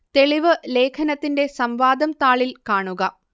തെളിവ് ലേഖനത്തിന്റെ സംവാദം താളിൽ കാണുക